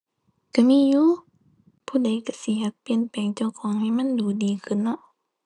ก็มีอยู่ ผู้ใดก็สิอยากเปลี่ยนแปลงเจ้าของให้มันดูดีขึ้นเนาะ